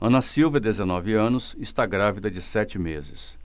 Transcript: ana silva dezenove anos está grávida de sete meses